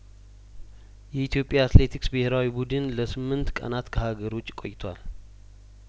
የኢትዮጵያ አትሌቲክስ ብሄራዊ ቡድን ለስምንት ቀናት ከሀገር ውጭ ቆይቷል